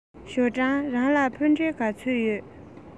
ཞའོ ཀྲང རང ལ ཕུ འདྲེན ག ཚོད ཡོད